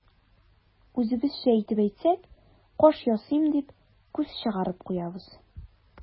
Үзебезчә итеп әйтсәк, каш ясыйм дип, күз чыгарып куябыз.